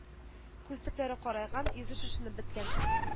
Күз төпләре карайган, йөзе шешенеп беткән